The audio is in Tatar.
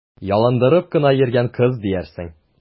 Ялындырып кына йөргән кыз диярсең!